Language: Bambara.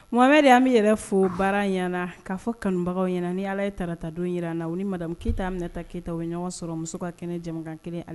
Moamɛdi an b'i yɛrɛ fo, baara ɲɛna, k'a fɔ kanubagaw ɲana n'ala tarata don jira an na, u ni madame Keyita Aminata Keyita u bɛ ɲɔgɔn sɔrɔ muso ka kɛnɛ jɛmukan kelen a